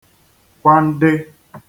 kwànde